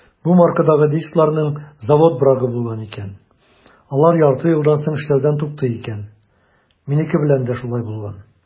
Бу маркадагы дискларның завод брагы булган икән - алар ярты елдан соң эшләүдән туктый икән; минеке белән дә шулай булган.